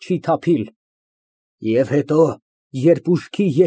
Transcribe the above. ԲԱԳՐԱՏ ֊ Դու համոզվա՞ծ ես։ ՄԱՐԳԱՐԻՏ ֊ (Դրականապես և եռանդով) Ավելի քան համոզված եմ։